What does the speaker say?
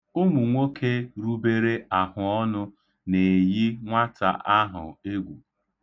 Ụmụnwoke rubere ahụọnụ na-eyi nwata ahụ egwu.